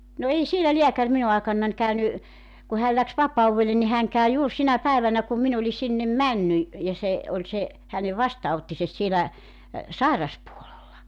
no ei siellä lääkäri minun aikanani käynyt kun hän lähti vapaudelle niin hän kävi juuri sinä päivänä kun minä olin sinne mennyt ja se oli se hänen vastaanottonsa siellä sairaspuolella